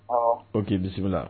O k'i bisimila la